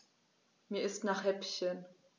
Mir ist nach Häppchen.